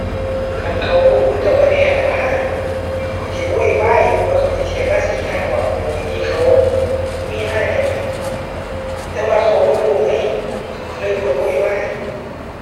คันเขารู้มันก็บ่แน่ล่ะวะ เขาก็สิโวยวายอยู่ว่าเขาได้เสียภาษีทางอ้อมโดยที่เขามีรายได้น้อย แต่ว่าเขาบ่รู้ไง เขาก็เลยบ่โวยวาย